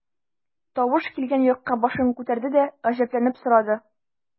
Тавыш килгән якка башын күтәрде дә, гаҗәпләнеп сорады.